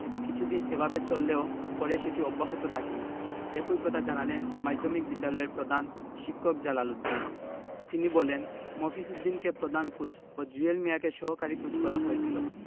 কিছুদিন এভাবে চললেও পরে সেটি অব্যাহত থাকেনি একই কথা জানালেন মাধ্যমিক বিদ্যালয়ের প্রধান শিক্ষক জালাল উদ্দিন তিনি বলেন মফিজ উদ্দিনকে প্রধান কোচ ও জুয়েল মিয়াকে সহকারী কোচ করা হয়েছিল